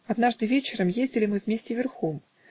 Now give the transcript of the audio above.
Однажды вечером ездили мы вместе верхом